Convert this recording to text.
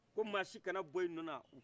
ko mɔgɔsi kana bɔ i nɔn na